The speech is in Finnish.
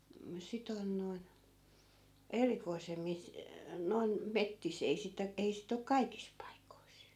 - sitä on noin erikoisemmissa noin metsissä ei sitä ei sitten ole kaikissa paikoissa